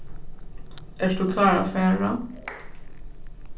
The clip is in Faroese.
ert tú klár at fara